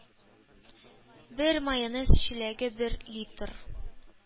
(бер майонез чиләге – бер литр.